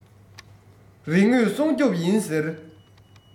རིག དངོས སྲུང སྐྱོབ ཡིན ཟེར